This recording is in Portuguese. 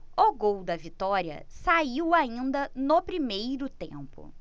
o gol da vitória saiu ainda no primeiro tempo